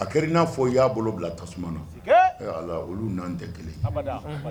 A kɛra n'a fɔ y'a bolo bila tasuma na olu' tɛ kelen